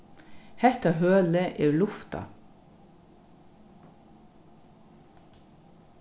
hetta hølið er luftað